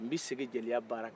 n bɛ segin jiya baara kan